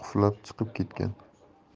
eshigini qulflab chiqib ketgan